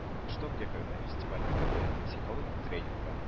Что? Где? Когда? фестивале, КВН, психологик тренинглар